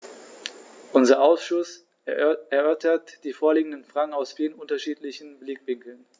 Unser Ausschuss erörtert die vorliegenden Fragen aus vielen unterschiedlichen Blickwinkeln.